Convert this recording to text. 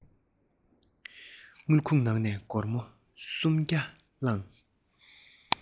དངུལ ཁུག ནས སྒོར མོ གསུམ བརྒྱ བླངས